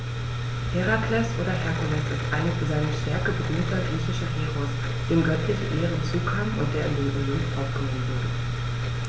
Herakles oder Herkules ist ein für seine Stärke berühmter griechischer Heros, dem göttliche Ehren zukamen und der in den Olymp aufgenommen wurde.